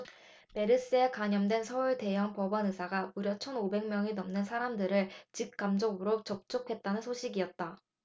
메르스에 감염된 서울 대형 병원 의사가 무려 천 오백 명이 넘는 사람들을 직 간접으로 접촉했다는 소식이었다